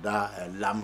Da lam